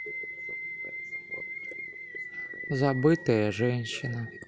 забытая женщина